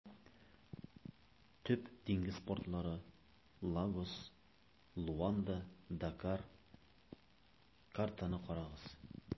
Төп диңгез портлары - Лагос, Луанда, Дакар (картаны карагыз).